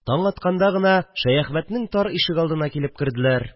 Таң атканда гына Шәяхмәтнең тар ишегалдына килеп керделәр